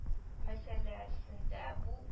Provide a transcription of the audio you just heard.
Мәсьәләсендә бу